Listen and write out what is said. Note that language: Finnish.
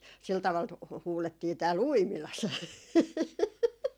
sillä tavalla - huudettiin täällä Uimilassa